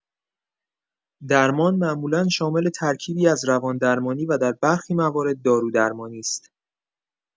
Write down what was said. درمان معمولا شامل ترکیبی از روان‌درمانی و در برخی موارد دارودرمانی است.